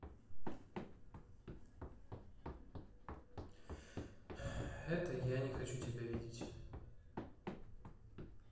это я не хочу тебя видеть